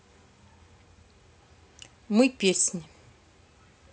мы песни